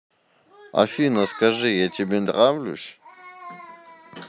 афина скажи я тебе нравлюсь